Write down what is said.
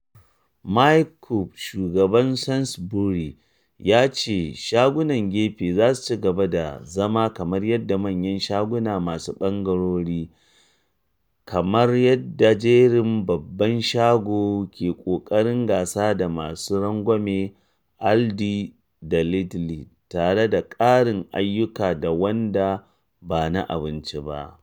Mike Coupe, shugaban Sainsbury's, ya ce shagunan gefen za su ci gaba da zama kamar manyan shaguna masu ɓangarori kamar yadda jerin babban shagon ke ƙoƙarin gasa da masu rangwame Aldi da Lidl tare da ƙarin ayyuka da wanda ba na abinci ba.